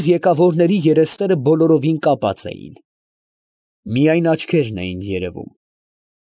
Նոր եկավորների երեսները բոլորովին կապած էին, միայն աչքերն էին երևում։